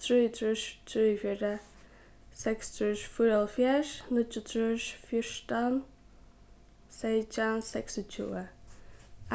trýogtrýss trýogfjøruti seksogtrýss fýraoghálvfjerðs níggjuogtrýss fjúrtan seytjan seksogtjúgu